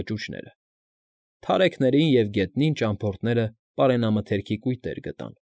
Կճուճները) թարքերին ու գետնին ճամփորդները պարենամթերքի կույտեր գտան։